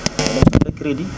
leb fa crédit